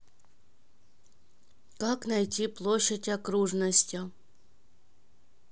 как найти площадь окружности